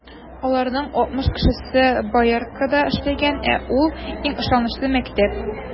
Аларның алтмыш кешесе Бояркада эшләгән, ә ул - иң ышанычлы мәктәп.